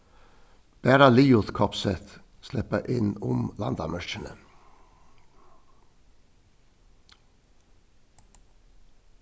bara liðugt koppsett sleppa inn um landamørkini